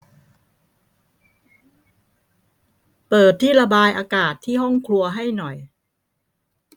เปิดที่ระบายอากาศที่ห้องครัวให้หน่อย